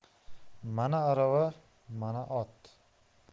mana arava mana ot